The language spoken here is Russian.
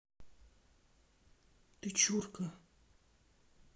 ты чурка